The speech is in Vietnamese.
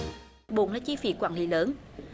bộ máy chi phí quản lý lớn